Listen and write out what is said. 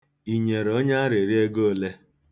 I nyere onye arịrịọ ego ole?